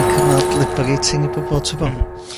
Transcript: yn cyfnod liberating i pobol t'bod.